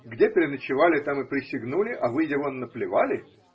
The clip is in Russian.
Где переночевали, там и присягнули, а выйдя вон – наплевали?